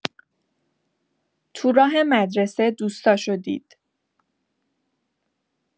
تو راه مدرسه، دوستاشو دید.